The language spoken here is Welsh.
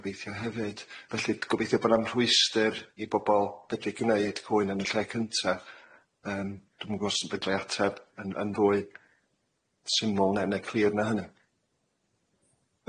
gobeithio hefyd, felly gobeithio bo' na'm rhwystyr i bobol fedru gneud cwyn yn y lle cynta yym dwi'm yn gwbo' os yn fedru ateb yn yn ddwy syml ne' ne' clir na hynny.